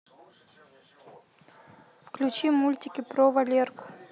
включи мультики про валерку